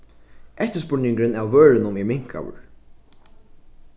eftirspurningurin av vørunum er minkaður